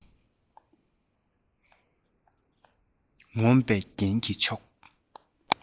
ངོམས པའི རྒྱན གྱི མཆོག